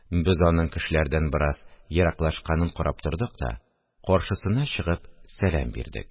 Без аның кешеләрдән бераз ераклашканын карап тордык та каршысына чыгып сәлам бирдек